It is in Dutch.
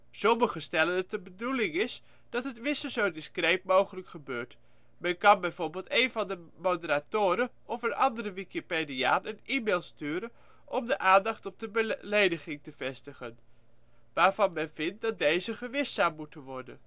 Sommigen stellen dat het de bedoeling is, dat het wissen zo discreet mogelijk gebeurt. Men kan bijvoorbeeld een van de moderatoren of een andere wikipediaan een e-mail sturen om de aandacht op een belediging te vestigen, waarvan men vindt dat deze gewist zou moeten worden